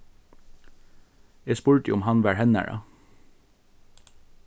eg spurdi um hann var hennara